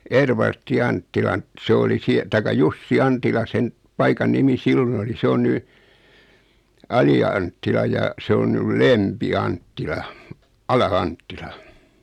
Edvard Anttilan se oli - tai Jussi Antila sen paikan nimi silloin oli se on nyt Ali-Anttila ja se on nyt Lempi Anttila Ala-Anttila